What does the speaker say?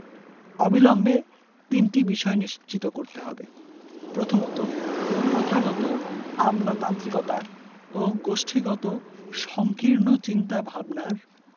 অবিলম্বে তিনটি বিষয় নিশ্চিত করতে হবে প্রথমত প্রথাগত আমলাতান্ত্রিকতা ও গোষ্ঠীগত সংকীর্ণ চিন্তাভাবনার